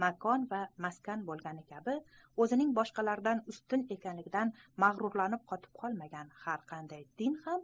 makon va maskan bo'lgani kabi o'zining boshqalardan ustun ekanligidan mag'rurlanib qotib qolmagan har qanday din ham